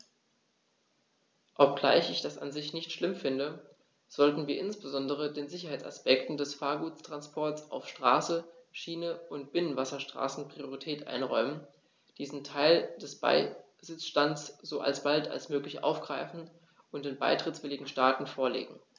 Obgleich ich das an sich nicht schlimm finde, sollten wir insbesondere den Sicherheitsaspekten des Gefahrguttransports auf Straße, Schiene und Binnenwasserstraßen Priorität einräumen, diesen Teil des Besitzstands so bald als möglich aufgreifen und den beitrittswilligen Staaten vorlegen.